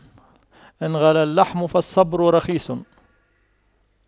إن غلا اللحم فالصبر رخيص